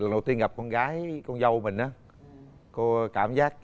điều đầu tiên gặp con gái con dâu mình á cô cảm giác